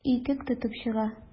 Итек тотып чыга.